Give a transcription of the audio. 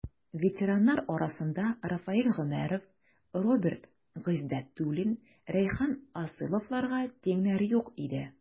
Ветераннар арасында Рафаэль Гомәров, Роберт Гыйздәтуллин, Рәйхан Асыловларга тиңнәр юк иде.